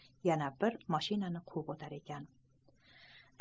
yana bir mashinani quvib o'tar ekan